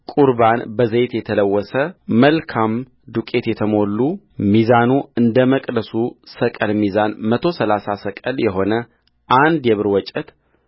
ቍርባን በዘይት የተለወሰ መልካም ዱቄት የተሞሉትን ሚዛኑ እንደ መቅደሱ ሰቅል ሚዛን መቶ ሠላሳ ሰቅል የሆነውን አንድ የብር ወጭት